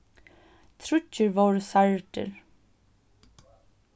tríggir vóru særdir